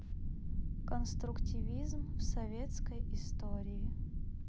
конструктивизм в советской истории